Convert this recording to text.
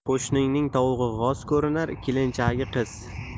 qo'shnining tovug'i g'oz ko'rinar kelinchagi qiz